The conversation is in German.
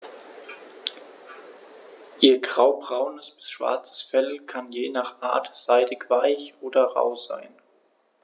Ihr graubraunes bis schwarzes Fell kann je nach Art seidig-weich oder rau sein.